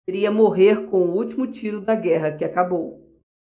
seria morrer com o último tiro da guerra que acabou